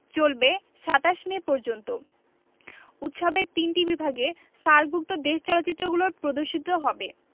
চলবে ২৭ মে পর্যন্ত উৎসবের তিনটি বিভাগে সার্কভুক্ত দেশের চলচ্চিত্রগুলো প্রদর্শিত হবে